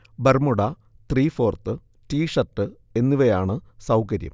Bermuda, three fourth, T shirt എന്നിവയാണ് സൗകര്യം